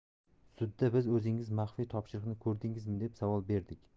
sudda biz 'o'zingiz maxfiy topshiriqni ko'rdingizmi' deb savol berdik